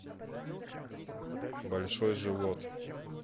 большой живот